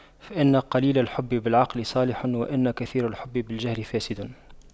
فإن قليل الحب بالعقل صالح وإن كثير الحب بالجهل فاسد